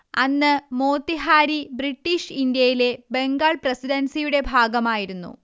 അന്ന് മോത്തിഹാരി ബ്രിട്ടീഷ് ഇന്ത്യയിലെ ബംഗാൾ പ്രസിഡൻസിയുടെ ഭാഗമായിരുന്നു